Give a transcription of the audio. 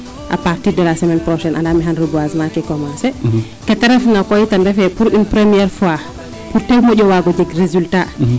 a partir de la semaine prochaine andaam sax xam reboisement ke commencer ke refna koy ten refu yee pour une premiere fois pour te moƴo waago jeg resultat